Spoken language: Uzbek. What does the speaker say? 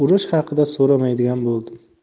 urush haqida so'ramaydigan bo'ldim